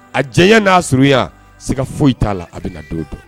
A jɛ n'a surunya se ka foyi t'a la a bɛna na don don